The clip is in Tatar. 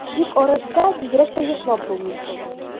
Бик арытса, бигрәк тә йоклап булмый шул.